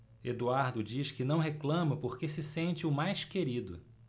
eduardo diz que não reclama porque se sente o mais querido